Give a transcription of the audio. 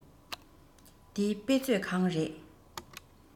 འདི དཔེ མཛོད ཁང རེད